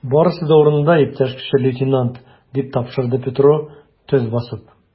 Барысы да урынында, иптәш кече лейтенант, - дип тапшырды Петро, төз басып.